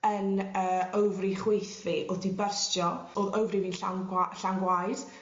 yn yy ofari chwith fi o'dd 'di byrstio o'dd ofari fi'n llawn gwa- llawn gwaed